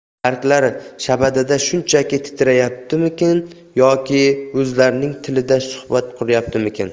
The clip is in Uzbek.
barglar shabadada shunchaki titrayaptimikin yoki o'zlarining tilida suhbat quryaptimikin